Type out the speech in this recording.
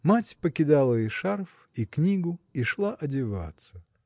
Мать покидала и шарф и книгу и шла одеваться.